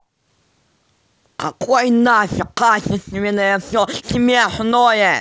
какой нафиг качественное все чмошное